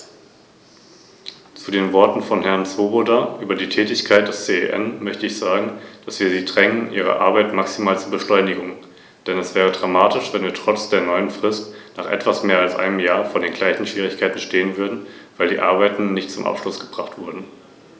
Zu dieser Verbrauchergruppe gehören vor allem Klein- und Mittelbetriebe, Händler und Familienunternehmen, und über EU-Instrumente, die Klein- und Mittelbetriebe finanziell unterstützen sollen, wurde gerade in dieser Sitzungsperiode diskutiert.